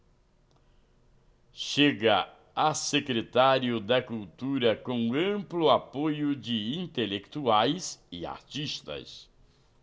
chega a secretário da cultura com amplo apoio de intelectuais e artistas